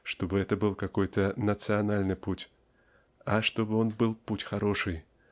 чтобы это был какой то национальный путь а чтобы он был путь хороший